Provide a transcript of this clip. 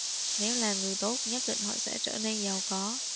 nếu là người tốt nhất định họ sẽ trở nên giàu có